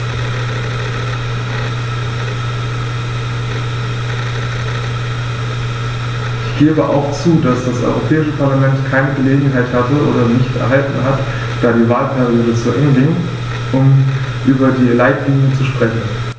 Ich gebe auch zu, dass das Europäische Parlament keine Gelegenheit hatte - oder nicht erhalten hat, da die Wahlperiode zu Ende ging -, um über die Leitlinien zu sprechen.